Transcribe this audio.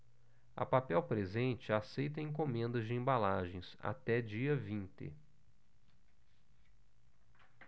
a papel presente aceita encomendas de embalagens até dia vinte